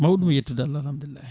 mawɗum yettude Allah alhamdulillahi